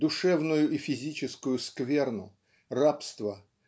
душевную и физическую скверну рабство